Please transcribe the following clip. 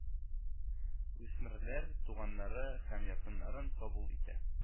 Үсмерләр туганнары һәм якыннарын кабул итә